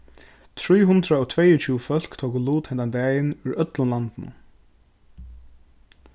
trý hundrað og tveyogtjúgu fólk tóku lut henda dagin úr øllum landinum